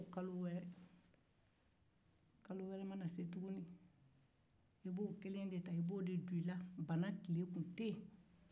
kalo wɛrɛ mana se i b'o kelen ta k'o don i la i n y avait pas de maladie